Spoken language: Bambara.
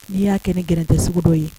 N'i y'a kɛ ni gɛrɛntɛ sugu dɔ ye